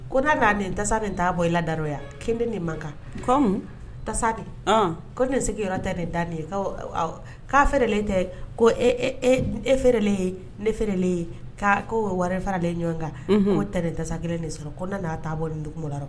Ko na'a tasa nin taa bɔ i la daruyaya kinden de man kan fa tasa de ko ne sigiyɔrɔyɔrɔ ta de da de ye ka k'a fɛ tɛ ko e fɛ ne fɛ ye' ko'o ye wɛrɛ fara de ɲɔgɔn kan o tɛ tɛ tasa kelen nin sɔrɔ ko n'a taa bɔ nin dugu la